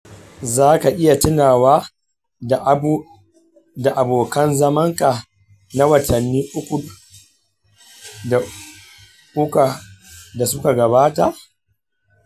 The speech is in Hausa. za ka iya tunawa da abokan zamanka na watanni uku da uka gabata?